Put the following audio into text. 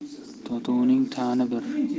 totuvning tani bir